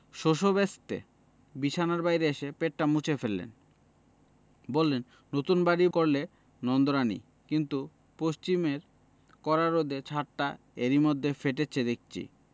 শশব্যস্তে বিছানার বাইরে এসে পেটটা মুছে ফেললেন বললেন নতুন বাড়ি করলে নন্দরানী কিন্তু পশ্চিমের কড়া রোদে ছাতটা এর মধ্যেই ফেটেচে দেখচি